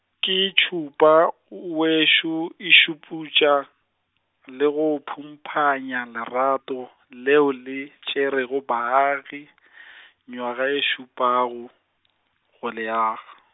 ke tšhupa, w- w- wešo e šuputša, lego phumphanya lerato leo le tšerego baagi mengwaga ye e šupago, go le aga.